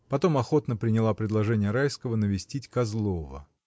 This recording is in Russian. Потом охотно приняла предложение Райского навестить Козлова.